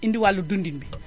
indi wàllum dundin bi